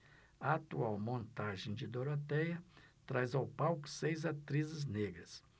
a atual montagem de dorotéia traz ao palco seis atrizes negras